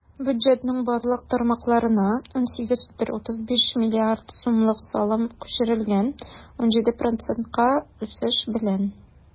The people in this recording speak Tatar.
Бюджетның барлык тармакларына 18,35 млрд сумлык салым күчерелгән - 17 процентка үсеш белән.